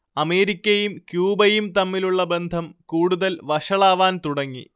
അമേരിക്കയും ക്യൂബയും തമ്മിലുള്ള ബന്ധം കൂടുതൽ വഷളാവാൻ തുടങ്ങി